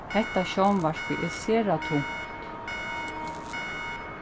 hetta sjónvarpið er sera tungt